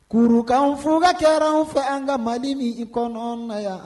Kurukanf fo ka ca an fɛ an ka mali min i kɔnɔ na yan